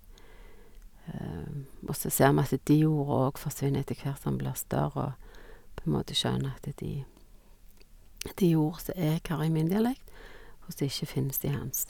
Og så ser vi at de orda òg forsvinner etter hvert som han blir større og på en måte skjønner at de de er ord som jeg har i min dialekt, og som ikke finnes i hans.